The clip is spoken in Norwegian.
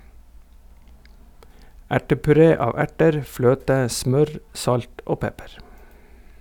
Ertepuré av erter, fløte, smør, salt og pepper.